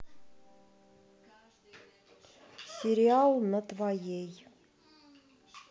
сериал на твоей